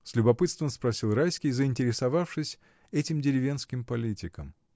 — с любопытством спросил Райский, заинтересовавшись этим деревенским политиком.